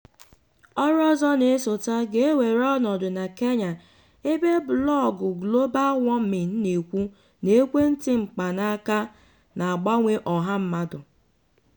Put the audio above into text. Ọrụ ọzọ na-esote ga-ewere ọnọdụ na Kenya, ebe blọọgụ Global Warming na-ekwu na ekwentị mkpanaaka na-agbanwe ọha obodo.